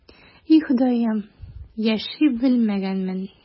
И, Ходаем, яши белмәгәнмен...